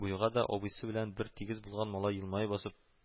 Буйгада абыйсы белән бер тигез булган малай елмаеп басып